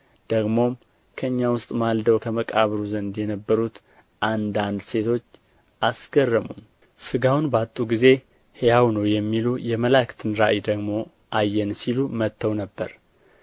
ደግሞም ከእኛ ውስጥ ማልደው ከመቃብሩ ዘንድ የነበሩት አንዳንድ ሴቶች አስገረሙን ሥጋውንም ባጡ ጊዜ ሕያው ነው የሚሉ የመላእክትን ራእይ ደግሞ አየን ሲሉ መጥተው ነበር